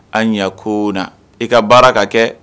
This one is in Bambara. A ɲɛ ko i ka baara ka kɛ